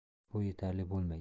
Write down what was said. bu etarli bo'lmaydi